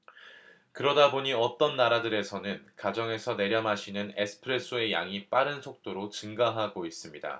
그러다 보니 어떤 나라들에서는 가정에서 내려 마시는 에스프레소의 양이 빠른 속도로 증가하고 있습니다